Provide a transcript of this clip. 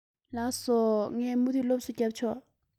ལགས སོ ངས མུ མཐུད སློབ གསོ རྒྱབ ཆོག